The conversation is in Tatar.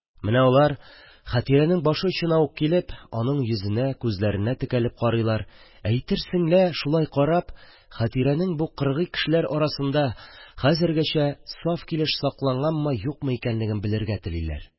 Менә алар, Хәтирәнең башы очына ук килеп, аның йөзенә, күзләренә текәлеп карыйлар, әйтерсең лә шулай карап Хәтирәнең бу кыргый кешеләр арасында хәзергәчә саф килеш сакланганмы-юкмы икәнлеген белергә телиләр.